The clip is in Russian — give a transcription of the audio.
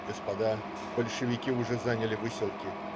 "Господа, большевики уже заняли Выселки.